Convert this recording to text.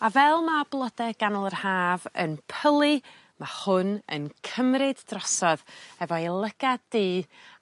A fel ma' blode ganol yr haf yn pylu ma' hwn yn cymryd drosodd efo'i lygad du